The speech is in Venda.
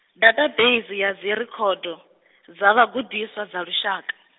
dathabeisi ya dzirekhodo, dza vhagudiswa dza lushaka.